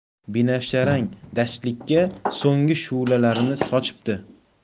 binafsharang dashtlikka so'nggi shu'lalarini sochibdi